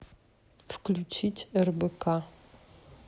включить рбк